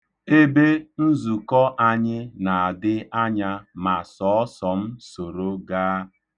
Ebe nzukọ anyị na-adị anya ma sọọsọ m soro gaa.